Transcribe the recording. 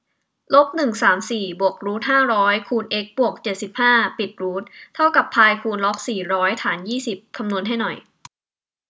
ลบหนึ่งสามสี่บวกรูทห้าร้อยคูณเอ็กซ์บวกเจ็ดสิบห้าปิดรูทเท่ากับพายคูณล็อกสี่ร้อยฐานยี่สิบ